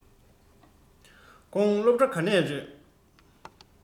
ཁོང སློབ གྲྭ ག ནས རེས